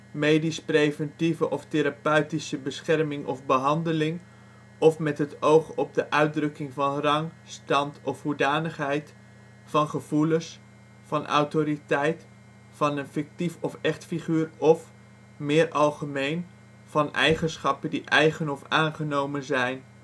medisch preventieve of therapeutische bescherming of behandeling, of met het oog op de uitdrukking van rang, stand of hoedanigheid, van gevoelens, van autoriteit, van een fictief of echt figuur of, meer algemeen, van eigenschappen die eigen of aangenomen zijn